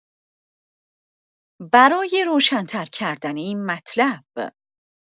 برای روشن‌تر کردن این مطلب